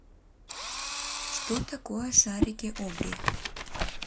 что такое шарики обри